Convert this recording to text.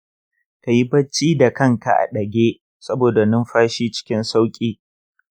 kayi bacci da kan ka a ɗage saboda numfashi cikin sauƙi.